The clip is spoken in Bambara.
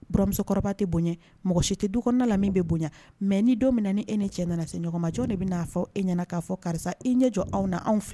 Baramusokɔrɔba tɛ bonya mɔgɔ si tɛ du kɔnɔna la min bɛ bonya mɛ ni don min na ni e ni cɛ nana se ɲɔgɔnmaj de bɛ n'a fɔ e ɲɛna k'a fɔ karisa i ɲɛ jɔ aw na anw filɛ